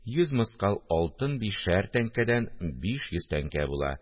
Йөз мыскал алтын бишәр тәңкәдән биш йөз тәңкә була